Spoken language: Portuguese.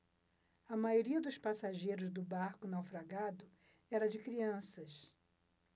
a maioria dos passageiros do barco naufragado era de crianças